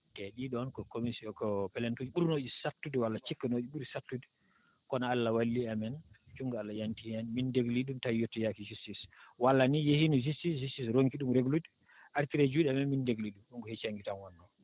te ɗii ɗoon ko commission ko pleinte uuji ɓurnooji sattude walla cikkanooji ɓuri sattude kono Allah wallii amen juutngo Allah yanti heen min ndegli ɗum tawi yettoyaaki justice walla ni yehiino justice justice ronki ɗum reglude artiri e juuɗe amen min degli ɗum ko hecci haŋki tan wonnoo